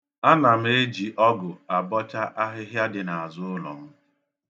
Ana m eji ọgụ abọcha ahịhịa dị n'azụụlọ m.